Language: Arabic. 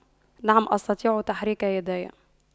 نعم أستطيع تحريك يدي